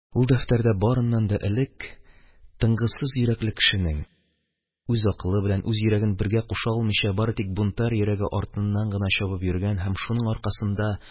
Ул дәфтәрдә, барыннан да элек, тынгысыз йөрәкле кешенең, үз акылы белән үз йөрәген бергә куша алмыйча, бары тик бунтарь йөрәге артыннан гына чабып йөргән һәм шуның аркасында